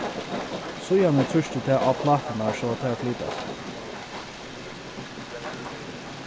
síðani trýstir tað á pláturnar so at tær flyta seg